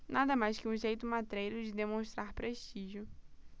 nada mais que um jeito matreiro de demonstrar prestígio